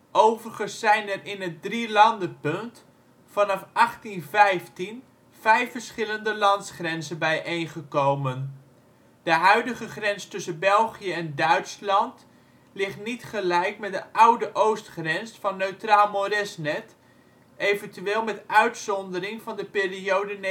Overigens zijn er in het " drielandenpunt " vanaf 1815 vijf verschillende landsgrenzen bijeen gekomen: De huidige grens tussen België en Duitsland ligt niet gelijk met de oude oostgrens van Neutraal Moresnet. Eventueel met uitzondering van de periode